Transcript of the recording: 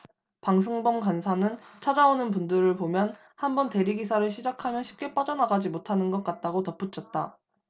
방승범 간사는 찾아오는 분들을 보면 한 번 대리기사를 시작하면 쉽게 빠져나가지 못하는 것 같다고 덧붙였다